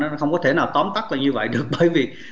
không thể nào tóm tắt được như vậy bởi vì